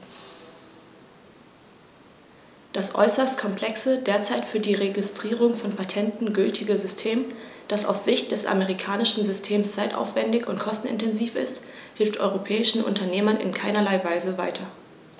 Das äußerst komplexe, derzeit für die Registrierung von Patenten gültige System, das aus Sicht des amerikanischen Systems zeitaufwändig und kostenintensiv ist, hilft europäischen Unternehmern in keinerlei Weise weiter.